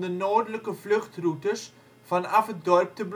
noordelijke vluchtroutes vanaf het dorp te